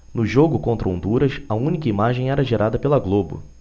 no jogo contra honduras a única imagem era gerada pela globo